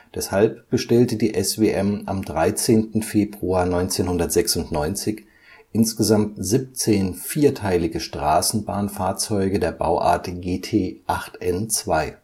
Deshalb bestellte die SWM am 13. Februar 1996 insgesamt 17 vierteilige Straßenbahnfahrzeuge der Bauart GT8N2